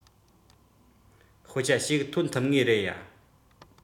འགྱུར གྲངས ཆེན པོ གཉིས ཐོན ཐུབ ངེས རེད